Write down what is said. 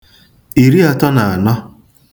ìriatọ nà ànọ